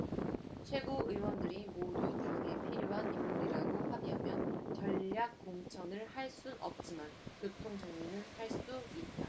최고위원들이 모두 당에 필요한 인물이라고 합의하면 전략공천을 할 순 없지만 교통정리는 할 수 있다